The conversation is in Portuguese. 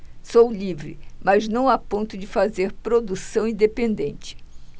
sou livre mas não a ponto de fazer produção independente